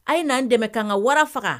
A' ye n'an dɛmɛ ka ka wara faga